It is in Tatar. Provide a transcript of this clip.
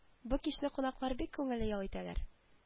Бу кичне кунаклар бик күңелле ял итәләр